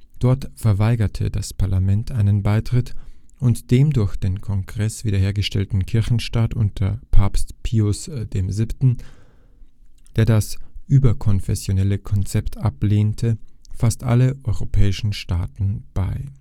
dort verweigerte das Parlament einen Beitritt) und dem durch den Kongress wiederhergestellten Kirchenstaat unter Papst Pius VII., der das überkonfessionelle Konzept ablehnte, fast alle europäischen Staaten bei